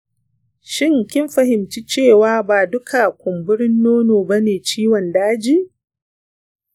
shin kin fahimci cewa ba duka kumburin nono bane ciwon daji?